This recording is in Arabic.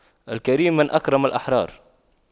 الكريم من أكرم الأحرار